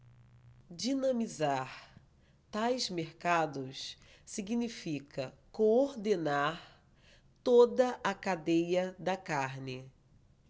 dinamizar tais mercados significa coordenar toda a cadeia da carne